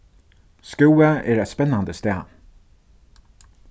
skúvoy er eitt spennandi stað